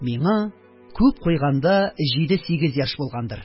Миңа, күп куйганда, җиде-сигез яшь булгандыр,